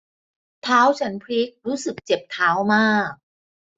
เท้าฉันพลิกรู้สึกเจ็บเท้ามาก